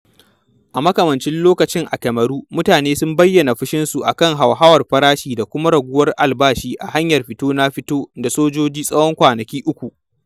A makamancin lokacin a Cameroon, mutane sun bayyana fushinsu a kan hauhawar farashi da kuma raguwar albashi ta hanyar fito-na-fito da sojoji tsawon kawana uku.